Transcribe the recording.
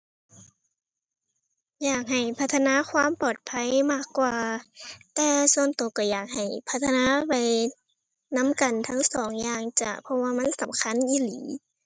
อยากให้พัฒนาความปลอดภัยมากกว่า แต่ส่วนตัวตัวอยากให้พัฒนาไปนำกันทั้งสองอย่างจ้ะ เพราะว่ามันสำคัญอีหลี